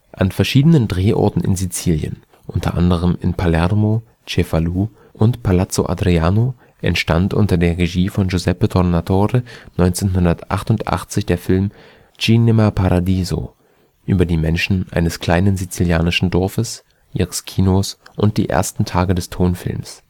An verschiedenen Drehorten in Sizilien, unter anderem in Palermo, Cefalù und Palazzo Adriano, entstand unter der Regie von Giuseppe Tornatore 1988 der Film Cinema Paradiso über die Menschen eines kleinen sizilianischen Dorfes, ihres Kinos und die ersten Tage des Tonfilms